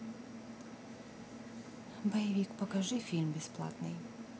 боевик покажи фильм бесплатный